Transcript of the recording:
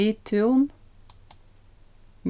miðtún